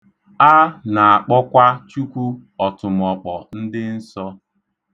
A na-akpọkwa Chukwu "Ọtụmọkpọ ndị nsọ".